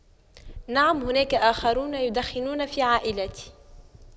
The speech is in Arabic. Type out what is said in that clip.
نعم هناك آخرون يدخنون في عائلتي